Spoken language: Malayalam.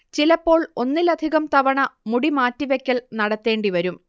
ചിലപ്പോൾ ഒന്നിലധികം തവണ മുടി മാറ്റിവെക്കൽ നടത്തേണ്ടി വരും